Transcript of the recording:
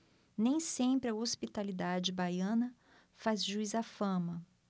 nem sempre a hospitalidade baiana faz jus à fama